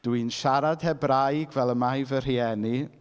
Dwi'n siarad Hebraeg fel y mae fy rhieni.